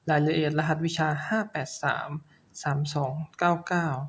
รายละเอียดรหัสวิชาห้าแปดสามสามสองเก้าเก้า